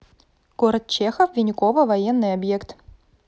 город чехов венюково военный объект